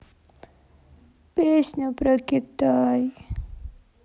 песня про китай